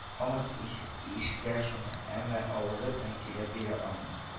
Һаман ис ишетә шуны, әмма авызы белән көйләп бирә алмый